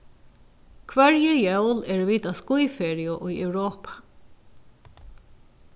hvørji jól eru vit á skíðferiu í europa